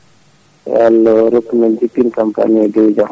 yo Allah rokkumen jokkidde campagne o e dow jaam